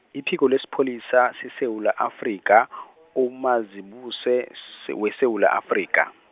iphiko lesiPholisa, seSewula Afrika , uMazibuse, se- weSewula Afrika.